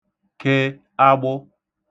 ke agbụ